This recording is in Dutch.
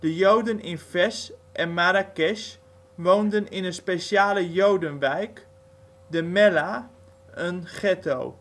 Joden in Fez en Marrakesh woonden in een speciale Jodenwijk, de ' mellah ' (een getto